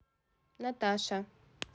наташа